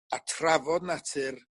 a trafod natur